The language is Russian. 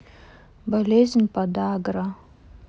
болезнь подагра